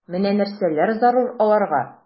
Менә нәрсәләр зарур аларга...